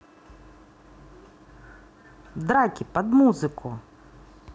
драки под музыку